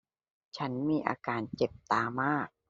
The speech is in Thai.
ฉันมีอาการเจ็บตามาก